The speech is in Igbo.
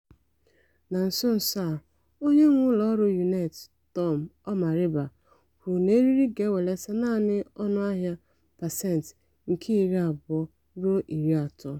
Na nso nso a onye nwe ụlọ ọrụ UUnet Tom Omariba kwuru na eriri ga-ewelata naanị ọnụ ahịa pasent nke 20-30.